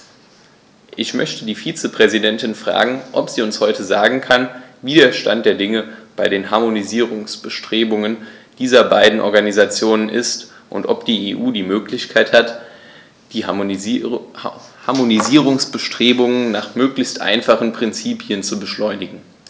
Ich möchte die Vizepräsidentin fragen, ob sie uns heute sagen kann, wie der Stand der Dinge bei den Harmonisierungsbestrebungen dieser beiden Organisationen ist, und ob die EU die Möglichkeit hat, die Harmonisierungsbestrebungen nach möglichst einfachen Prinzipien zu beschleunigen.